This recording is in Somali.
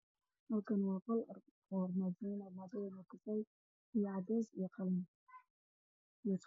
Halkaan waa qol waxaa yaalo armaajo ah kafay, cadeys iyo qalin.